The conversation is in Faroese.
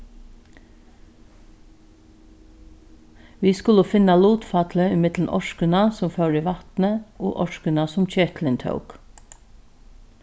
vit skulu finna lutfallið ímillum orkuna sum fór í vatnið og orkuna sum ketilin tók